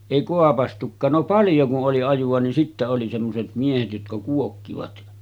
ei kaapaistukaan no paljon kun oli ajoa niin sitten oli semmoiset miehet jotka kuokkivat